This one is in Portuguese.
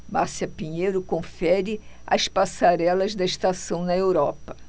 márcia pinheiro confere as passarelas da estação na europa